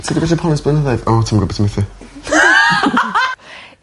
Ti'm 'di watsio porn ers blynyddoedd. O ti'm wbod be' ti methu.